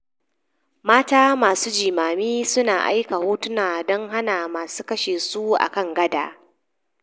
Mata masu jimami su na aika katunan don hana masu kashe su akan gada